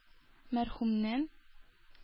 Мәрхүмнән